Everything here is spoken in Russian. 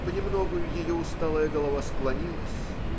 Понемногу ее усталая голова склонилась